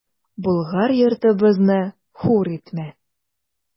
Болгар йортыбызны хур итмә!